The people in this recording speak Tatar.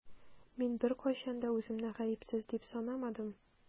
Мин беркайчан да үземне гаепсез дип санамадым.